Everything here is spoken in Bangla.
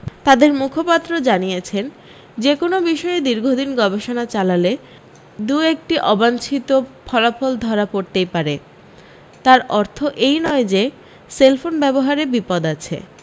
তাদের মুখপাত্র জানিয়েছেন যে কোনও বিষয়ে দীর্ঘদিন গবেষণা চালালে দুই একটি অবাঞ্চিত ফলাফল ধরা পড়তেই পারে তার অর্থ এই নয় যে সেলফোন ব্যবহারে বিপদ আছে